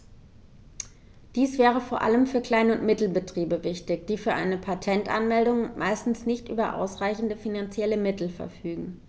Dies wäre vor allem für Klein- und Mittelbetriebe wichtig, die für eine Patentanmeldung meistens nicht über ausreichende finanzielle Mittel verfügen.